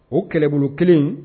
O kɛlɛbolo 1